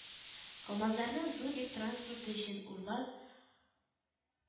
“камазларны зур йөк транспорты өчен урлау